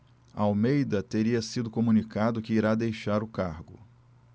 almeida teria sido comunicado que irá deixar o cargo